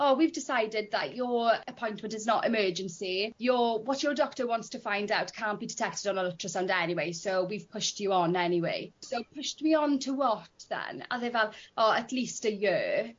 oh we've decided that your appointment is not emergency you'r what you'r doctor wants to find out can't be detected on ultrasound anyway so we pushed you on anyway. So pushed me on to what then? A o'dd e fal Oh at least a year.